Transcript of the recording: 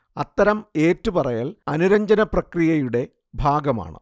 അത്തരം ഏറ്റുപറയൽ അനുരഞ്ജനപ്രക്രിയയുടെ ഭാഗമാണ്